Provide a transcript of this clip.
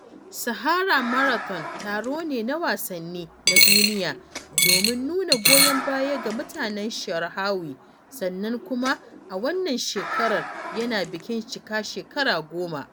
Sahara Marathon taro ne na wasanni na duniya domin nuna goyon baya ga mutanen Saharawi, sannan kuma a wannan shekarar yana bikin cika shekara goma.